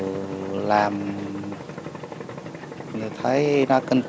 làm nhận thấy là kinh